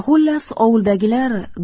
xullas ovuldagilar